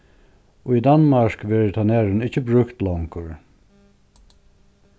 í danmark verður tað nærum ikki brúkt longur